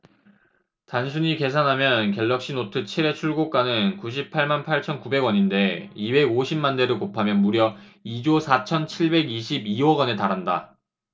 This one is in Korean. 단순히 계산하면 갤럭시노트 칠 의 출고가는 구십 팔 만 팔천 구백 원인데 이백 오십 만대를 곱하면 무려 이 조 사천 칠백 이십 이 억원에 달한다